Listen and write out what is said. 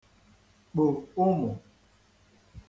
kpo ụ̄mụ̀